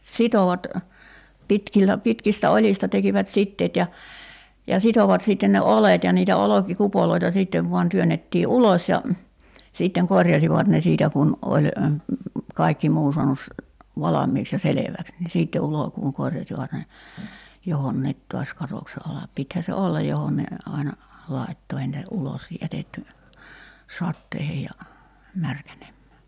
sitoivat pitkillä pitkistä oljista tekivät siteet ja ja sitoivat sitten ne oljet ja niitä olkikupoja sitten vain työnnettiin ulos ja sitten korjasivat ne siitä kun oli kaikki muu saanut valmiiksi ja selväksi niin sitten ulkoon korjasivat ne johonkin taas katoksen alle pitihän se olla johon ne aina laittoi ei niitä ulos jätetty sateisiin ja märkänemään